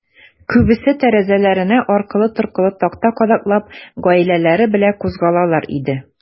Күбесе, тәрәзәләренә аркылы-торкылы такта кадаклап, гаиләләре белән кузгалалар иде.